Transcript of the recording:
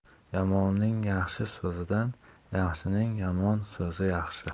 yomonning yaxshi so'zidan yaxshining yomon so'zi yaxshi